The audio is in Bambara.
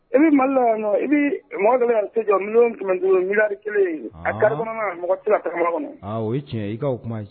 I bɛ mali i bɛ mɔgɔ kelen se jɔ minnu tun duuru miri kelen a karima mɔgɔ tila kɔnɔ o tiɲɛ i kaaw kuma ye